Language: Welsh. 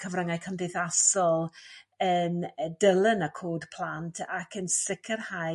cyfryngau cymdeithasol yn dyle 'na cod plant ac yn sicrhau